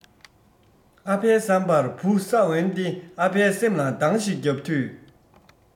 ཨ ཕའི བསམ པར བུ ས འོན ཏེ ཨ ཕའི སེམས ལ གདང ཞིག བརྒྱབ དུས